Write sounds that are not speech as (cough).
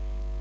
(hesitation) (hesitation)